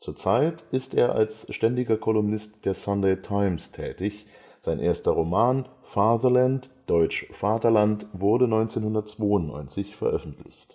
Zeit ist er als ständiger Kolumnist der Sunday Times tätig. Sein erster Roman Fatherland (dt. Vaterland) wurde 1992 veröffentlicht